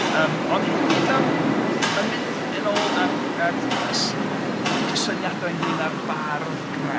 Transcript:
Yym ond hefyd yym, mae'n mynd yn ôl at... at y s- cysyniadau ynglyn â'r bardd Cymraeg